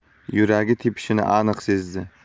yuragi tepishini aniq sezdi